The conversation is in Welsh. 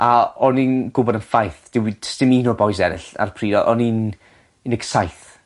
A o'n i'n gwbod y ffaith dyw 'i d's dim un o'r bois eryll ar pryd o- o'n i'n un deg saith